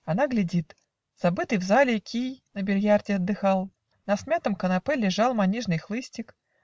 Она глядит: забытый в зале Кий на бильярде отдыхал, На смятом канапе лежал Манежный хлыстик.